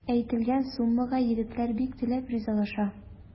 Әйтелгән суммага егетләр бик теләп ризалаша.